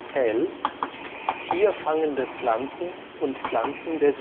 L: Tierfangende Pflanzen und Pflanzen der